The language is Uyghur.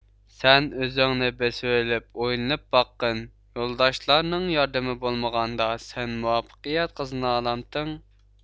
سەن ئۆزۈڭنى بېسىۋېلىپ ئويلىنىپ باققىن يولداشلارنىڭ ياردىمى بولمىغاندا سەن مۇۋەپپەقىيەت قازىنالامتىڭ